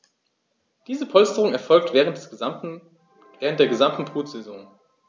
Diese Polsterung erfolgt während der gesamten Brutsaison.